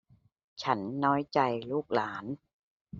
ฉันน้อยใจลูกหลาน